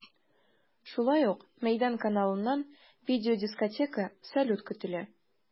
Шулай ук “Мәйдан” каналыннан видеодискотека, салют көтелә.